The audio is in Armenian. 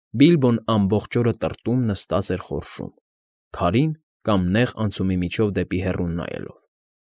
Բիլբոն ամբողջ օրը տրտում նստած էր խորշում՝ քարին կամ նեղ անցումի միջով դեպի հեռուն նայելով։